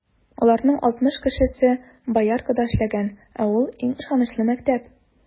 Аларның алтмыш кешесе Бояркада эшләгән, ә ул - иң ышанычлы мәктәп.